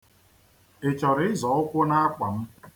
I chọrọ ịzọ ụkwụ n'akwa m?